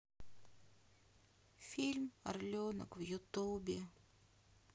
фильм орленок в ютубе